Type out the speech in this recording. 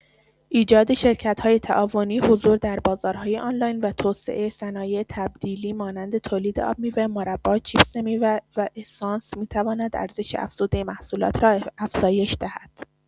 ایجاد شرکت‌های تعاونی، حضور در بازارهای آنلاین و توسعه صنایع تبدیلی مانند تولید آبمیوه، مربا، چیپس میوه و اسانس می‌تواند ارزش‌افزوده محصولات را افزایش دهد.